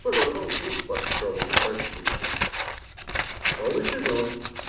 Повернулся и пошел, не простившись. Встал и Семен.